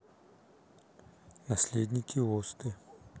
наследники осты